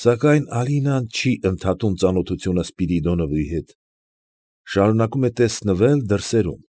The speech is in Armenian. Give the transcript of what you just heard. Սակայն Ալինան չի ընդհատում ծանոթությունը Սպիրիդոնովի հետ. շարունակում է տեսնվել դրսերում։